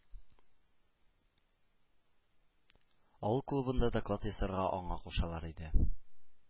Авыл клубында доклад ясарга аңа кушалар иде.